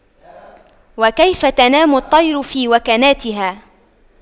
وكيف تنام الطير في وكناتها